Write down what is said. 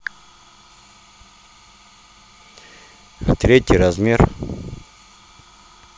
третий размер